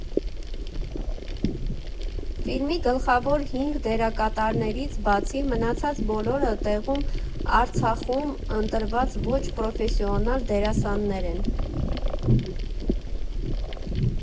Ֆիլմի գլխավոր հինգ դերակատարներից բացի մնացած բոլորը տեղում՝ Արցախում ընտրված ոչ պրոֆեսիոնալ դերասաններ են։